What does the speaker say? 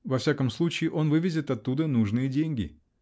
во всяком случае, он вывезет оттуда нужные деньги.